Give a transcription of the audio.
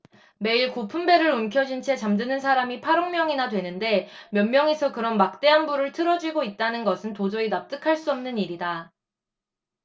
매일 고픈 배를 움켜쥔 채 잠드는 사람이 팔 억 명이나 되는데 몇 명이서 그런 막대한 부를 틀어쥐고 있다는 것은 도저히 납득할 수 없는 일이다